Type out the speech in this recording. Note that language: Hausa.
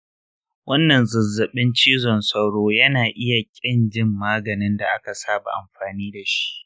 wannan zazzabin cizon sauro yana iya ƙin jin maganin da aka saba amfani da shi.